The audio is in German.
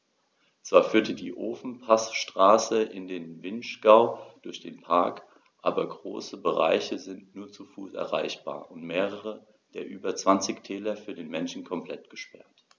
Zwar führt die Ofenpassstraße in den Vinschgau durch den Park, aber große Bereiche sind nur zu Fuß erreichbar und mehrere der über 20 Täler für den Menschen komplett gesperrt.